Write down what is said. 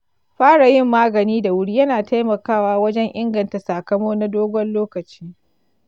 fara yin magani da wuri yana taimakawa wajen inganta sakamo na dogon lokaci.